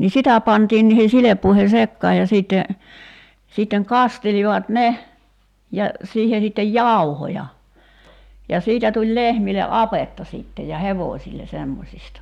niin sitä pantiin niihin silppuihin sekaan ja sitten sitten kastelivat ne ja siihen sitten jauhoja ja siitä tuli lehmille apetta sitten ja hevosille semmoisista